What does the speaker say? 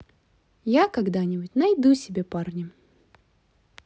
я когда нибудь найду себе парня